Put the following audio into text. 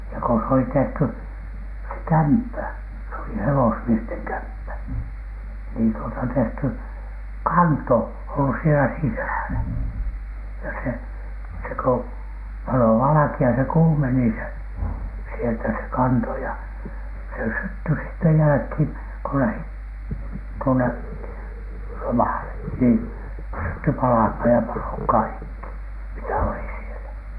ja kun se oli tehty se kämppä se oli hevosmiesten kämppä niin tuota tehty kanto ollut siellä sisällä ja se se kun paloi valkea se kuumeni se sieltä se kanto ja se syttyi sitten jälkeen kun lähtivät tuonne lomalle niin syttyi palamaan ja paloi kaikki mitä oli siellä